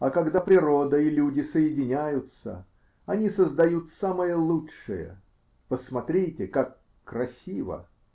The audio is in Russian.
А когда природа и люди соединяются, они создают самое лучшее. Посмотрите, как красиво.